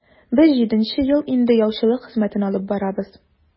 Без җиденче ел инде яучылык хезмәтен алып барабыз.